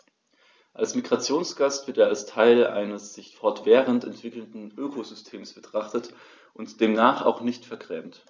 Als Migrationsgast wird er als Teil eines sich fortwährend entwickelnden Ökosystems betrachtet und demnach auch nicht vergrämt.